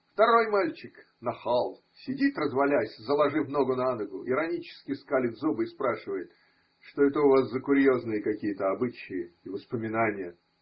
Второй мальчик – нахал – сидит, развалясь, заложив ногу на ногу, иронически скалит зубы и спрашивает: – Что это у вас за курьезные какие-то обычаи и воспоминания?